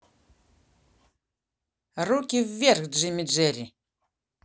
руки вверх джимми джерри